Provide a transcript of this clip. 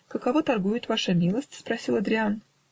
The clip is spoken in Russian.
"Каково торгует ваша милость?" -- спросил Адриян.